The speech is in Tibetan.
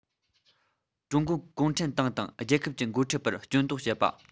ཀྲུང གོའི གུང ཁྲན ཏང དང རྒྱལ ཁབ ཀྱི འགོ ཁྲིད པར སྐྱོན འདོགས བྱེད པ